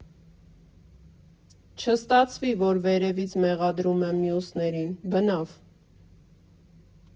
Չստացվի, որ վերևից մեղադրում եմ մյուսներին, բնավ։